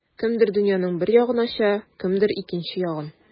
Кемдер дөньяның бер ягын ача, кемдер икенче ягын.